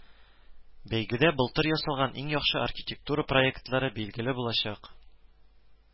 Бәйгедә былтыр ясалган иң яхшы архитектура проектлары билгеле булачак